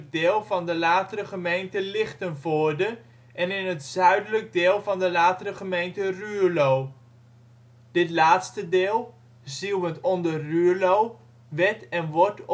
deel van de latere gemeente Lichtenvoorde en het zuidelijk deel van de latere gemeente Ruurlo. Dit laatste deel, Zieuwent onder Ruurlo, werd en wordt